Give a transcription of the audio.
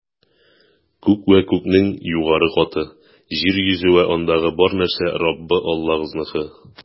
Күк вә күкнең югары каты, җир йөзе вә андагы бар нәрсә - Раббы Аллагызныкы.